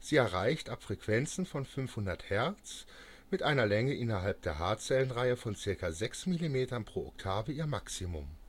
erreicht ab Frequenzen von 500 Hz mit einer Länge innerhalb der Haarzellenreihe von ca. 6 mm pro Oktave ihr Maximum